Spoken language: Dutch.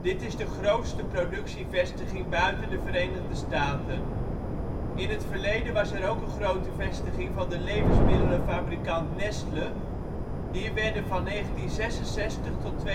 Dit is de grootste productievestiging buiten de Verenigde Staten. In het verleden was er ook een grote vestiging van de levensmiddelenfabrikant Nestle, hier werden van 1966 tot 2007